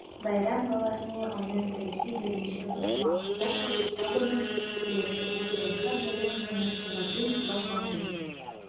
Бәйрәм балаларны аның тарихы, беренче басма “Апостол” китабының килеп чыгу тарихы белән таныштырудан башланды.